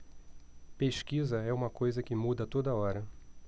pesquisa é uma coisa que muda a toda hora